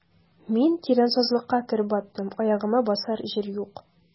Мин тирән сазлыкка кереп баттым, аягыма басар җир юк.